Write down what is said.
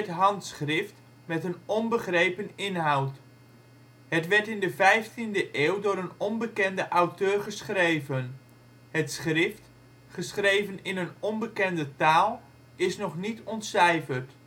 handschrift met een onbegrepen inhoud. Het werd in de 15e eeuw door een onbekende auteur geschreven. Het schrift, geschreven in een onbekende taal, is nog niet ontcijferd